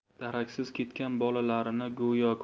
daraksiz ketgan bolalarini go'yo